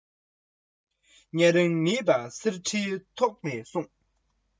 ཡུལ བདེ མི བདེ ཡོངས པའི དགོངས པ དང